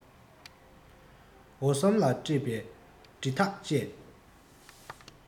འོ ཟོམ ལ དཀྲིས པའི སྒྱིད ཐག བཅས